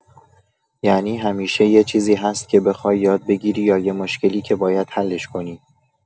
یعنی همیشه یه چیزی هست که بخوای یاد بگیری یا یه مشکلی که باید حلش کنی.